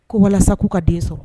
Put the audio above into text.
Ko walasa k'u ka den sɔrɔ